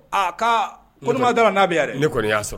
Aa ka ko ne man d'a la n'a bɛ yan dɛ ne kɔni y'a sɔrɔ